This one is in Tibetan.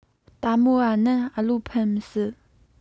ལྟད མོ བ རྣམ བློ ཕམ མི སྲིད